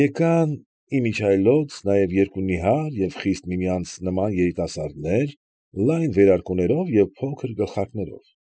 Եկան, ի միջի այլոց, նաև երկու նիհար և խիստ միմյանց նման երիտասարդներ՝ լայն վերարկուներով և փոքր գլխարկներով։